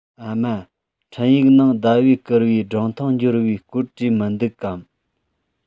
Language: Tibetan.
ཨ མ འཕྲིན ཡིག ནང ཟླ བས བསྐུར བའི སྒྲུང ཐུང འབྱོར བའི སྐོར བྲིས མི འདུག གམ